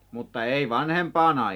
mutta ei vanhempaan aikaan